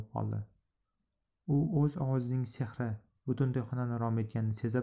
u o'z ovozining sehri butun to'yxonani rom etganini sezib